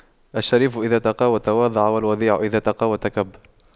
الشريف إذا تَقَوَّى تواضع والوضيع إذا تَقَوَّى تكبر